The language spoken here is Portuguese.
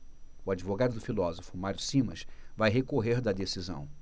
o advogado do filósofo mário simas vai recorrer da decisão